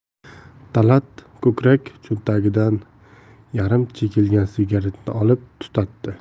talat ko'krak cho'ntagidan yarim chekilgan sigaretni olib tutatdi